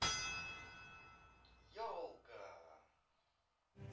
елка